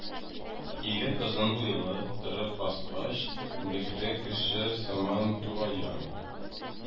Егет озын буйлы, торып баскач, бөкре кеше сыман турая